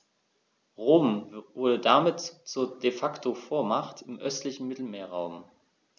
Rom wurde damit zur ‚De-Facto-Vormacht‘ im östlichen Mittelmeerraum.